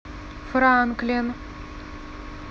франклин